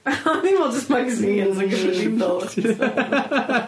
o'n i'n me'wl jyst magazines yn gyffredinol o' ti...